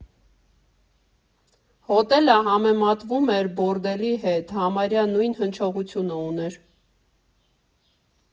Հոթելը համեմատվում էր բորդելի հետ՝ համարյա նույն հնչողությունը ուներ։